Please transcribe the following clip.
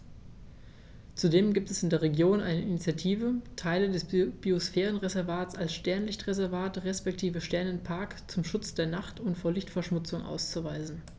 Zudem gibt es in der Region eine Initiative, Teile des Biosphärenreservats als Sternenlicht-Reservat respektive Sternenpark zum Schutz der Nacht und vor Lichtverschmutzung auszuweisen.